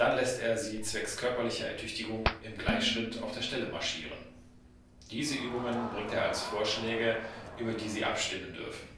lässt er sie zwecks körperlicher Ertüchtigung im Gleichschritt auf der Stelle marschieren. Diese Übungen bringt er als Vorschläge, über die sie abstimmen dürfen